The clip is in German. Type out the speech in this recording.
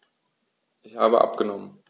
Ich habe abgenommen.